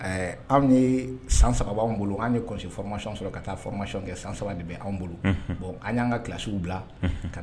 Anw san saba anw bolo anw kɔsɔ fma sɔrɔ ka taama kɛ san de bɛ anw bolo bɔn an y'an ka kilasiww bila